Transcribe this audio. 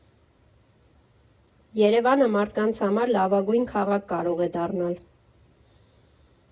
Երևանը մարդկանց համար լավագույն քաղաք կարող է դառնալ։